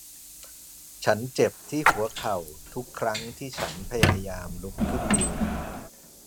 ฉันเจ็บที่หัวเข่าทุกครั้งที่ฉันพยายามลุกขึ้นยืน